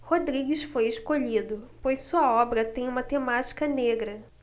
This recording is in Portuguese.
rodrigues foi escolhido pois sua obra tem uma temática negra